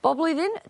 Bob blwyddyn